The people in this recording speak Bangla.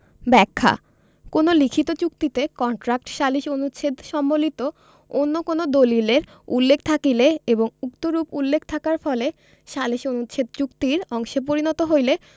ব্যাখ্যা কোন লিখিত চুক্তিতে কন্ট্রাক্ট সালিস অনুচ্ছেদ সম্বলিত অন্য কোন দালিলের উল্লেখ থাকিলে এবং উক্তরূপ উল্লেখ থাকার ফলে সালিস অনুচ্ছেদ চুক্তির অংশে পরিণত হইলে